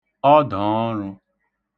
ọḋọọṙụ